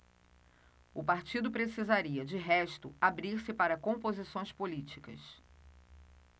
o partido precisaria de resto abrir-se para composições políticas